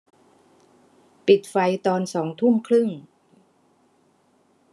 ปิดไฟตอนสองทุ่มครึ่ง